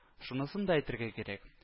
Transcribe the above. Шунысын да әйтергә кирәк